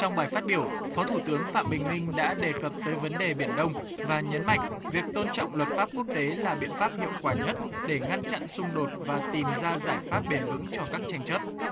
trong bài phát biểu phó thủ tướng phạm bình minh đã đề cập tới vấn đề biển đông và nhấn mạnh việc tôn trọng luật pháp quốc tế là biện pháp hiệu quả nhất để ngăn chặn xung đột và tìm ra giải pháp bền vững cho các tranh chấp